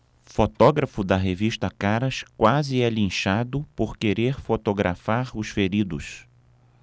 fotógrafo da revista caras quase é linchado por querer fotografar os feridos